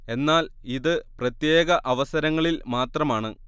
എന്നാൽ ഇത് പ്രത്യേക അവസരങ്ങളിൽ മാത്രമാണ്